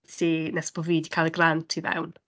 ti nes bod fi 'di cael y grant i fewn.